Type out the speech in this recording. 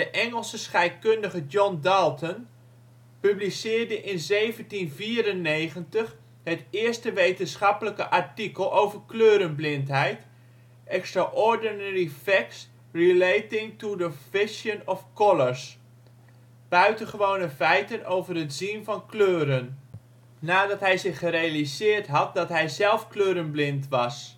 Engelse scheikundige John Dalton publiceerde in 1794 het eerste wetenschappelijke artikel over kleurenblindheid, " Extraordinary facts relating to the vision of colours " (Buitengewone feiten over het zien van kleuren) nadat hij zich gerealiseerd had dat hij zelf kleurenblind was